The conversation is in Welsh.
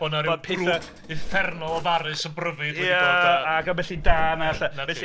Mae'n rhyw grŵp uffernol o farus o bryfaid wedi dod... Ia ac ambell'i dân...'Na ti.